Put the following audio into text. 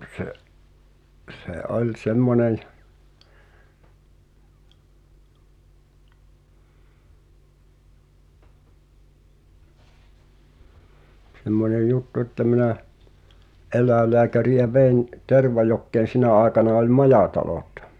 se se oli semmoinen semmoinen juttu että minä eläinlääkäriä vein Tervajokeen sinä aikana oli majatalot